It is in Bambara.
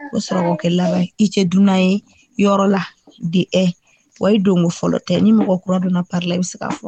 U bɛ sɔrɔ k'o kɛ laban ye, i tɛ dunnan ye yɔrɔ la, de un wa i don ko fɔlɔ tɛ, ni mɔgɔ kura donna pari la i bɛ se k'a fɔ